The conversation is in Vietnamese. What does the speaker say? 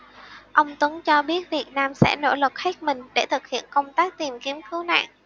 ông tuấn cho biết việt nam sẽ nỗ lực hết mình để thực hiện công tác tìm kiếm cứu nạn